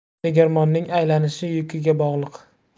tegirmonning aylanishi yukiga bog'liq